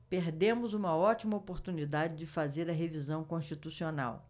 perdemos uma ótima oportunidade de fazer a revisão constitucional